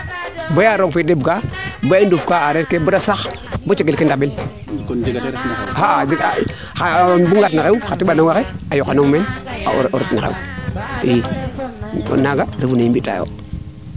bayo roog fe deɓ kaa bo i nduuf kaa a areer ke bata sax bo cegel ke ndamel xa'a bug na ret xew xa teɓanongaxe yoqanong meen o ret no xew i naaga refu ne i mbi taayo